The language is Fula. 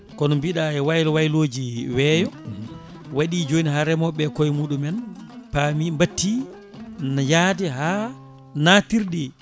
kono mbiɗa e waylo wayloji weeyo waɗi joni ha remoɓeɓe e koye muɗumen paami batti yaade ha natirɗe